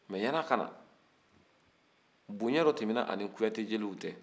mais yaan'a ka na bonya dɔ tɛmɛ n'ani kuyatɛ jeliw cɛ